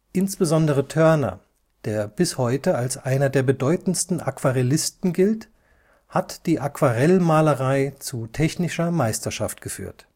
Insbesondere Turner, der bis heute als einer der bedeutendsten Aquarellisten gilt, hat die Aquarellmalerei zu technischer Meisterschaft geführt